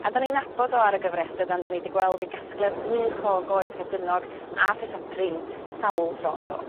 a 'dan ni'n nabod o ar y gyfres dydan 'dan ni 'di gweld ei gasgliad gwych o goed rhedynog a phetha prin sawl tro yndo?